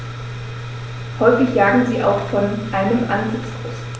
Häufig jagen sie auch von einem Ansitz aus.